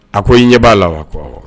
A ko i ɲɛ b'a la wa? A ko Awɔ